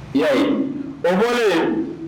Ayi o bɔralen